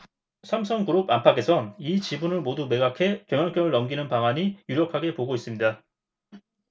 삼성그룹 안팎에선 이 지분을 모두 매각해 경영권을 넘기는 방안이 유력하게 보고 있습니다